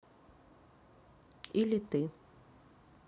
или ты